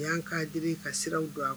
A y'an kaa di ka sira don